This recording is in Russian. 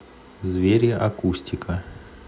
звери акустика